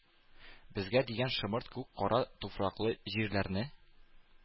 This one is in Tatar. Безгә дигән шомырт күк кара туфраклы җирләрне,